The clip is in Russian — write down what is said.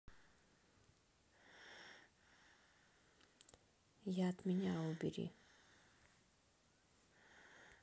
я отменяю убери